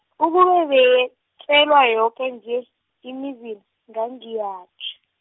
ukube beyetjelwa yoke nje, imizana, ngangiyatjh-.